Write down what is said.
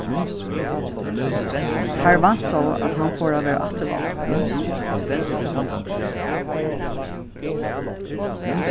teir væntaðu at hann fór at verða afturvaldur